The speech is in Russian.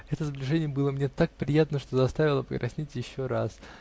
Это сближение было мне так приятно, что заставило покраснеть еще раз.